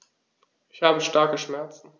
Ich habe starke Schmerzen.